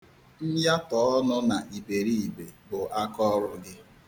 Myatọ ọnụ na iberibe bụ akaọrụ gị.